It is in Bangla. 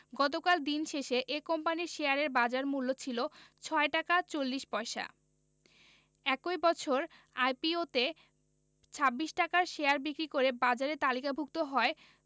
গতকাল দিন শেষে এ কোম্পানির শেয়ারের বাজারমূল্য ছিল ৬ টাকা ৪০ পয়সা একই বছর আইপিওতে ২৬ টাকায় শেয়ার বিক্রি করে বাজারে তালিকাভুক্ত হয়